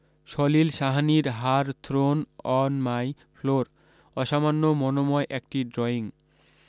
সলিল সাহানির her throne on my floor অসামান্য মনোময় একটি ড্রয়িং